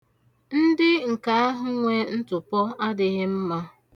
Ndị nke ahụ nwe ntụpọ adịghị mma.